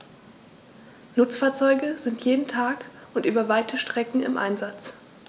Nutzfahrzeuge sind jeden Tag und über weite Strecken im Einsatz.